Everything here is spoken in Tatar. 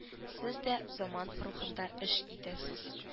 Сез дә заман рухында эш итәсез